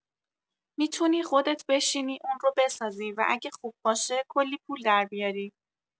می‌تونی خودت بشینی اون رو بسازی و اگه خوب باشه، کلی پول دربیاری!